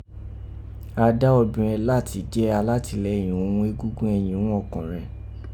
A da obìrẹn lati je alatinẹ̀yin òghun egungun ẹ̀yìn ghún ọkọ̀nrẹn